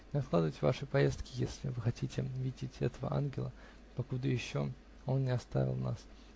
Не откладывайте вашей поездки, если вы хотите видеть этого ангела, покуда еще он не оставил нас.